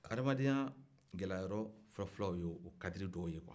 adamadenya gɛlɛya yɔrɔ fɔlɔ-fɔlɔ y'o kadiri dɔw ye kuwa